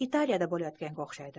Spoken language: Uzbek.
italiyada bo'layotganga o'xshaydi